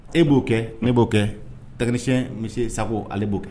E bo kɛ , ne bo kɛ. Technicien monsieur Sako ale bo kɛ.